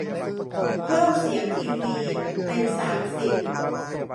เพิ่มเสียงทีวีเป็นสามสิบ